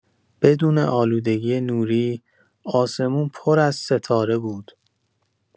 بدون آلودگی نوری، آسمون پر از ستاره بود.